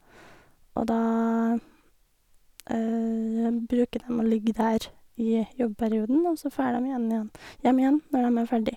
Og da bruker dem å ligge der i jobbperioden, og så fær dem igjen igjen hjem igjen når dem er ferdig.